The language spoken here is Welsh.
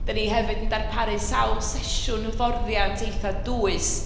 Dan ni hefyd yn darparu sawl sesiwn hyfforddiant eitha dwys.